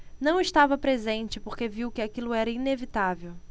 não estava presente porque viu que aquilo era inevitável